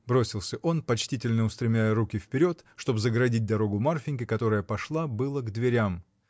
— бросился он, почтительно устремляя руки вперед, чтоб загородить дорогу Марфиньке, которая пошла было к дверям.